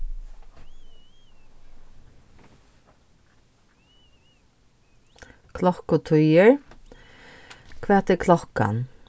klokkutíðir hvat er klokkan